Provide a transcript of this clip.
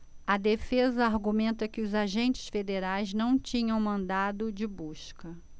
a defesa argumenta que os agentes federais não tinham mandado de busca